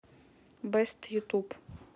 бэст ютуб